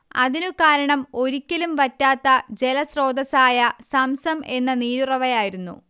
അതിനു കാരണം ഒരിക്കലും വറ്റാത്ത ജലസ്രോതസ്സായ സംസം എന്ന നീരുറവയായിരുന്നു